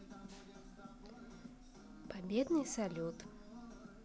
победный салют